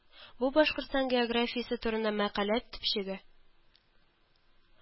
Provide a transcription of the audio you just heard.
Бу Башкортстан географиясе турында мәкалә төпчеге